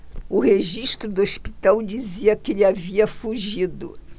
o registro do hospital dizia que ele havia fugido